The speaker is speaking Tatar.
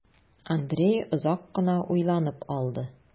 Андрей озак кына уйланып алды.